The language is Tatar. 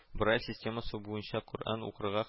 Брайль системасы буенча Коръән укырга